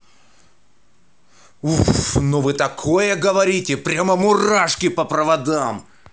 уф ну что вы такое говорите прямо мурашки по проводам